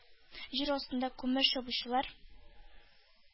Җир астында күмер чабучылар,